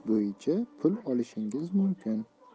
pul olishingiz mumkin